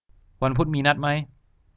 วันพุธมีนัดมั้ย